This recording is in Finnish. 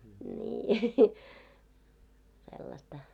niin sellaista